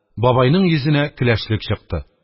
Бабайның йөзенә көләчлек чыкты.